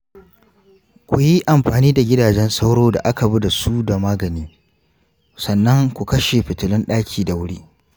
ku yi amfani da gidajen sauro da aka bi da su da magani, sannan ku kashe fitulun ɗaki da wuri.